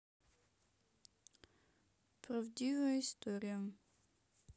правдивая история